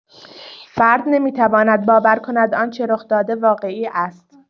فرد نمی‌تواند باور کند آنچه رخ‌داده واقعی است.